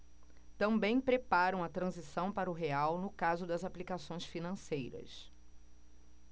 também preparam a transição para o real no caso das aplicações financeiras